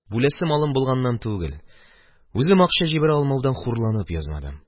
Әтиләргә ник язмадым? Бүләсе малым булганнан түгел, үзем акча җибәрә алмаудан хурланып язмадым.